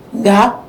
Nka